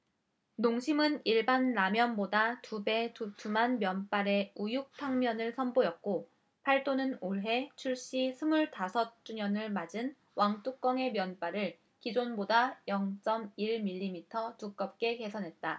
농심은 일반라면보다 두 배 두툼한 면발의 우육탕면을 선보였고 팔도는 올해 출시 스물 다섯 주년을 맞은 왕뚜껑의 면발을 기존보다 영 쩜 일 밀리미터 두껍게 개선했다